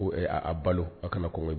Ko a balo a kana kɔn bɛ